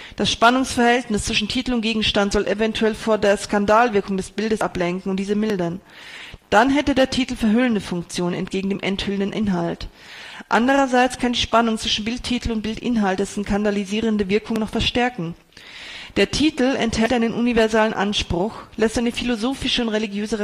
Das Spannungsverhältnis zwischen Titel und Gegenstand soll eventuell von der Skandalwirkung des Bildes ablenken und diese mildern: Dann hätte der Titel „ verhüllende “Funktion entgegen dem „ enthüllenden “Inhalt. Andererseits kann die Spannung zwischen Bildtitel und Bildinhalt dessen skandalisierende Wirkung noch verstärken: Der Titel enthält einen universalen Anspruch, lässt eine philosophische oder religiöse Reflexion